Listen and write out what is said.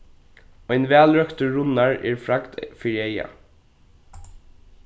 ein væl røktur runnar er fragd fyri eygað